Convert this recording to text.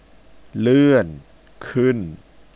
เลื่อนขึ้น